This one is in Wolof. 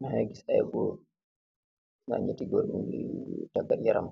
Magi giss aye goor, nyate goor nugi tangat yaram,